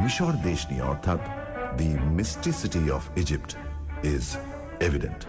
মিশর দেশ নিয়ে অর্থাৎ the mysticity of Egypt is evident